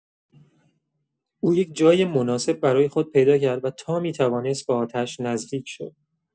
او یک جای مناسب برای خود پیدا کرد و تا می‌توانست به آتش نزدیک شد.